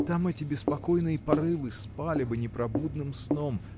– там эти беспокойные порывы спали бы непробудным сном